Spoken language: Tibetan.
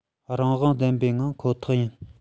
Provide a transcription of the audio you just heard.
རང དབང ལྡན པའི ངང ཁོ ཐག ཡིན